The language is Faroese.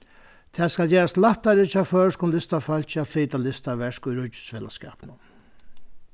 tað skal gerast lættari hjá føroyskum listafólki at flyta listaverk í ríkisfelagsskapinum